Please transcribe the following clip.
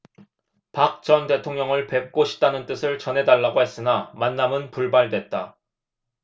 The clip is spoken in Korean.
박 전 대통령을 뵙고 싶다는 뜻을 전해달라고 했으나 만남은 불발됐다